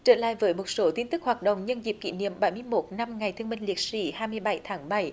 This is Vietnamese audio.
trở lại với một số tin tức hoạt động nhân dịp kỷ niệm bảy mươi mốt năm ngày thương binh liệt sĩ hai mươi bảy tháng bảy